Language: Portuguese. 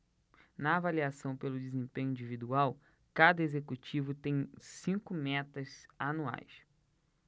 na avaliação pelo desempenho individual cada executivo tem cinco metas anuais